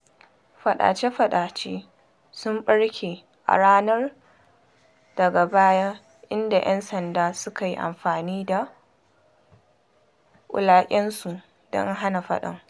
Faɗace-faɗace sun ɓarke a ranar daga baya inda ‘yan sanda suka yi amfani da kulaƙensu don hana faɗan.